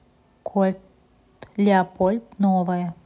кот леопольд новое